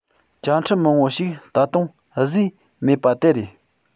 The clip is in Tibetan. བཅའ ཁྲིམས མང པོ ཞིག ད དུང བཟོས མེད པ དེ རེད